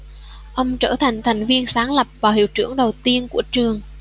ông trở thành thành viên sáng lập và hiệu trưởng đầu tiên của trường